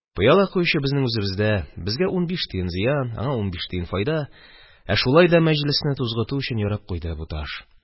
Пыяла куючы безнең үзебездә, безгә унбиш тиен зыян, аңа унбиш тиен файда, ә шулай да мәҗлесне тузгыту өчен ярап куйды бу таш.